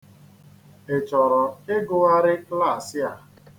Ị chọrọ ịgụgharị klaasị a?